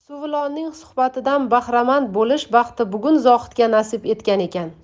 suvilon ning suhbatidan bahramand bo'lish baxti bugun zohidga nasib etgan ekan